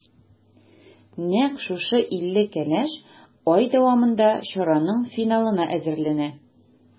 Нәкъ шушы илле кәләш ай дәвамында чараның финалына әзерләнә.